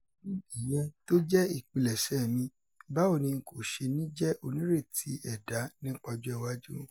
Pẹ̀lú ìyẹ́n tó jẹ́ ìpilẹ̀ṣẹ̀ mi, báwo ní n kò ṣe ní jẹ́ onírètí ẹ̀dà nípa ọjọ́ iwájú"